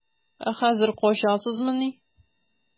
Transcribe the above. Ә хәзер качасызмыни?